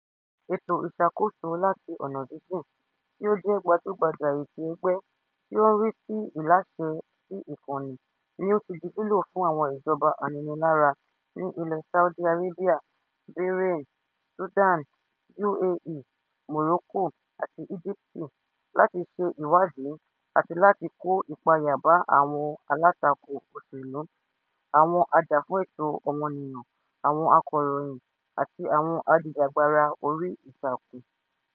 "Ètò ìṣàkóso láti ọ̀nà jíjìn" tí ó jẹ́ gbajúgbajà ètò ẹgbẹ́ tí ó ń rí sí ìláṣẹ sí ìkànnì ni ó ti di lílò fún àwọn ìjọba aninilára ní ilẹ̀ Saudi Arabia, Bahrain, Sudan, UAE, Morocco àti Egypt láti ṣe ìwádìí àti láti kó ìpayà bá àwọn alátakò òṣèlú, àwọn a jà-fún-ẹ̀tọ́ ọmọnìyàn, àwọn akọ̀ròyìn, àti àwọn ajìjàgbara orí ìtàkùn.